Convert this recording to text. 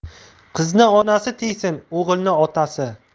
qizni onasi tiysin o'g'ilni otasi